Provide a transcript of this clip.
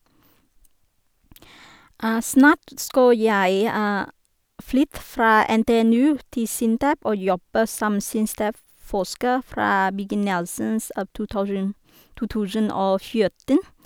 Snart skal jeg flytte fra NTNU til Sintef og jobbe som Sintef-forsker fra begynnelsen av to thousand to tusen og fjorten.